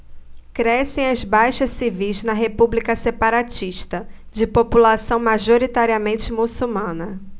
crescem as baixas civis na república separatista de população majoritariamente muçulmana